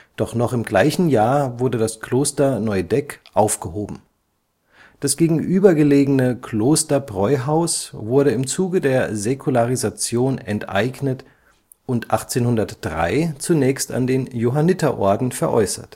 Doch noch im gleichen Jahr wurde das Kloster Neudeck aufgehoben. Das gegenüber gelegene Klosterbräuhaus wurde im Zuge der Säkularisation enteignet und 1803 zunächst an den Johanniterorden veräußert